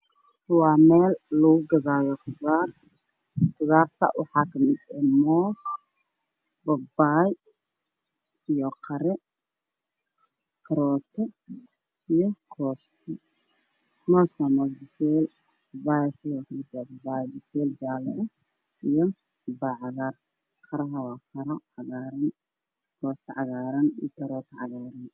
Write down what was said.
Waa meel lagu gadaayo gudaar qudaarta waxaa kamid ah moos, baybay, liin